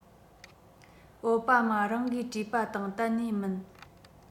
ཨའོ པ མ རང གིས བྲིས པ དང གཏན ནས མིན